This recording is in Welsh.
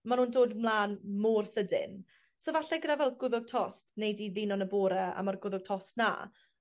ma' nw'n dod mlan mor sydyn so falle gyda fel gwddwg tost 'nei di ddino yn y bore a my'r gwddwg tost 'na